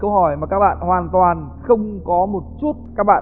câu hỏi mà các bạn hoàn toàn không có một chút các bạn